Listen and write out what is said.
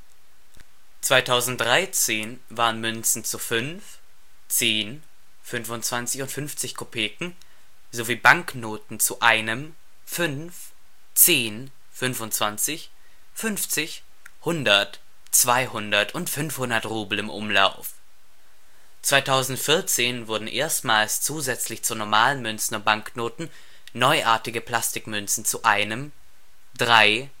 2013 waren Münzen zu 5, 10, 25 und 50 Kopeken sowie Banknoten zu 1, 5, 10, 25, 50, 100, 200 und 500 Rubel im Umlauf. 2014 wurden erstmals zusätzlich zu normalen Münzen und Banknoten neuartige Plastikmünzen zu 1, 3